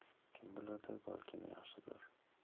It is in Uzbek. kim biladi balki yaxshidir